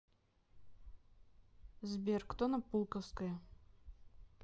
сбер кто на пулковское